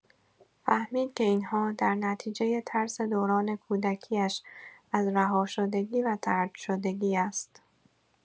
فهمید که این‌ها در نتیجه ترس دوران کودکی‌اش از رهاشدگی و طردشدگی است.